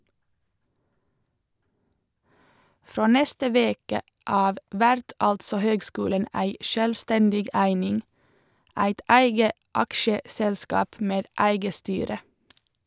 Frå neste veke av vert altså høgskulen ei sjølvstendig eining, eit eige aksjeselskap med eige styre.